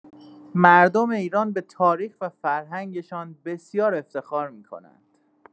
مردم ایران به‌تاریخ و فرهنگشان بسیار افتخار می‌کنند.